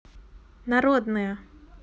народная